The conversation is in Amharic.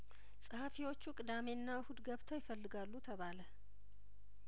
ጸሀፊዎቹ ቅዳሜና እሁድ ገብተው ይፈልጋሉ ተባለ